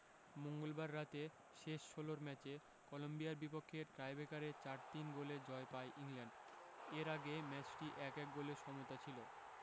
মঙ্গলবার রাতে শেষ ষোলোর ম্যাচে কলম্বিয়ার বিপক্ষে টাইব্রেকারে ৪ ৩ গোলে জয় পায় ইংল্যান্ড এর আগে ম্যাচটি ১ ১ গোলে সমতা ছিল